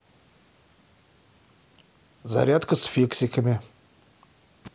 зарядка с фиксиками